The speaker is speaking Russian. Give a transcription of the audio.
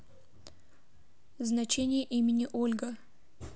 значение имя ольга